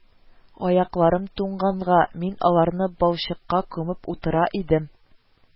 Аякларым туңганга, мин аларны балчыкка күмеп утыра идем